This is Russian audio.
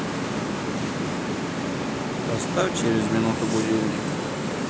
поставь через минуту будильник